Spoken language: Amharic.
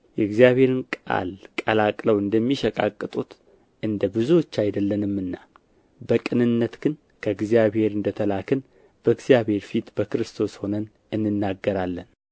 የእግዚአብሔርን ቃል ቀላቅለው እንደሚሸቃቅጡት እንደ ብዙዎቹ አይደለንምና በቅንነት ግን ከእግዚአብሔር እንደ ተላክን በእግዚአብሔር ፊት በክርስቶስ ሆነን እንናገራለን